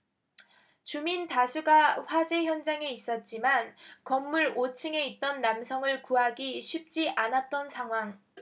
주민 다수가 화재 현장에 있었지만 건물 오 층에 있던 남성을 구하기 쉽지 않았던 상황